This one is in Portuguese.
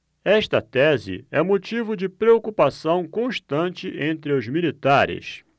esta tese é motivo de preocupação constante entre os militares